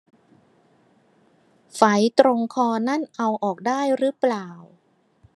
ไฝตรงคอนั่นเอาออกได้รึเปล่า